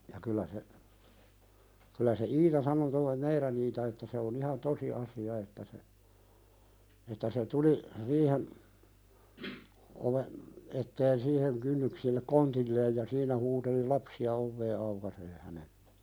ja kyllä se kyllä se Iita sanoi tuo meidän Iita että se on ihan tosi asia että se että se tuli riihen oven eteen siihen kynnyksille kontilleen ja siinä huuteli lapsia ovea aukaisemaan hänelle